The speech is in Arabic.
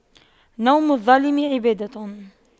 نوم الظالم عبادة